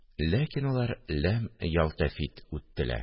Ләкин алар ләм яльтәфит үттеләр